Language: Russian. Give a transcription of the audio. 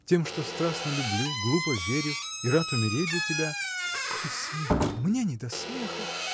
Тем, что страстно люблю, глупо верю и рад умереть за тебя. — Какой смех! мне не до смеха!